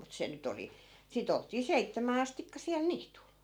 mutta se nyt oli sitten oltiin seitsemään astikka siellä niityllä